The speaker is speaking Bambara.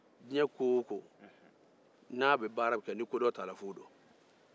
diɲɛ ko o ko n'a b'ɛ baaraw kɛ ni kodɔn t'a la fu don